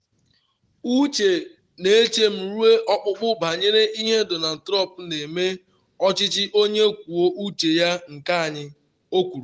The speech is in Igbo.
“Uche na-eche m ruo n’ọkpụkpụ banyere ihe Donald Trump na-eme ọchịchị onye kwuo uche ya nke anyị,” o kwuru.